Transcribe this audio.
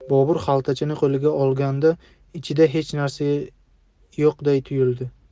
bobur xaltachani qo'liga olganda ichida hech narsa yo'qday tuyuldi